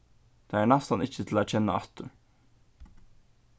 tað er næstan ikki til at kenna aftur